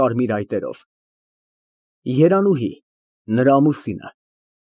Կարմիր այտերով։ ԵՐԱՆՈՒՀԻ ֊ Նրա ամուսինը։